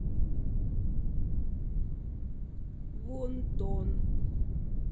вон тон